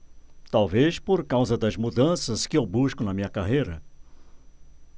talvez por causa das mudanças que eu busco na minha carreira